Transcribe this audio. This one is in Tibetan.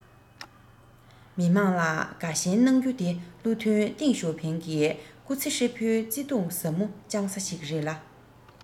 མི དམངས ལ དགའ ཞེན གནང རྒྱུ དེ བློ མཐུན ཏེང ཞའོ ཕིང སྐུ ཚེ ཧྲིལ པོའི བརྩེ དུང ཟབ མོ བཅངས ས ཞིག རེད ལ